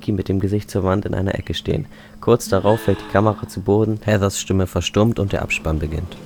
mit dem Gesicht zur Wand in einer Ecke stehen. Kurz darauf fällt die Kamera zu Boden, Heathers Stimme verstummt und der Abspann beginnt